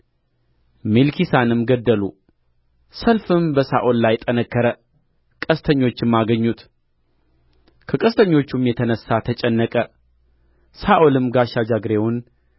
ሜልኪሳንም ገደሉ ሰልፍም በሳኦል ላይ ጠነከረ ቀስተኞችም አገኙት ከቀስተኞችም የተነሣ ተጨነቀ ሳኦልም ጋሻ ጃግሬውን